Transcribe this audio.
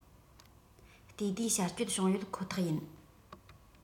ལྟོས ཟླའི བྱ སྤྱོད བྱུང ཡོད ཁོ ཐག ཡིན